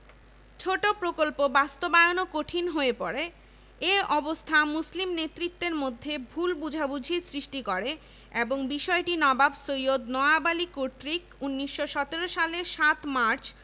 ১৯১৯ সালের ১১ September Imperial Legislative কাউন্সিলে ঢাকা বিশ্ববিদ্যালয় বিলটি উত্থাপিত হয় সরকার কলকাতা বিশ্ববিদ্যালয় কর্তৃপক্ষকে